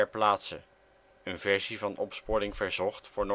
plaatse (een versie van opsporing verzocht voor